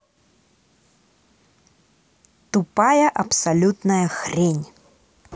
тупая абсолютная хрень